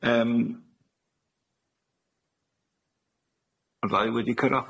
Yym. Ma'r ddau wedi cyrradd.